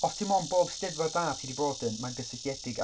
Os ti'n meddwl am bob 'Steddfod da ti 'di bod yn mae'n gysylltiedig â...